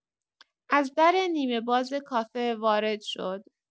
از در نیمه‌باز کافه وارد شد.